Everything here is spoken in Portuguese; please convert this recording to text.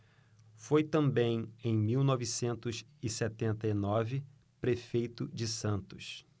foi também em mil novecentos e setenta e nove prefeito de santos